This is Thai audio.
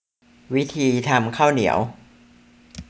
วิธีทำข้าวเหนียว